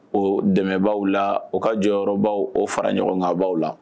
O dɛmɛbaw la o ka jɔyɔrɔbaw o fara ɲɔgɔn kanbaw la